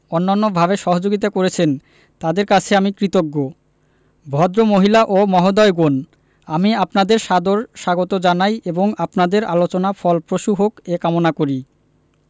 অন্যান্যভাবে সহযোগিতা করেছেন তাঁদের কাছে আমি কৃতজ্ঞ ভদ্রমহিলা ও মহোদয়গণ আমি আপনাদের সাদর স্বাগত জানাই এবং আপনাদের আলোচনা ফলপ্রসূ হোক এ কামনা করি